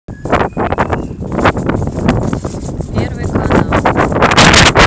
первый канал